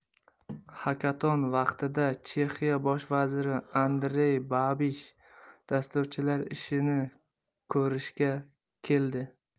hakaton vaqtida chexiya bosh vaziri andrey babish dasturchilar ishini ko'rishga keldi